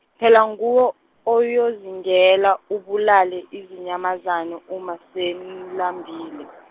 phela nguwe, oyozingela, ubulale izinyamazane uma senilambile.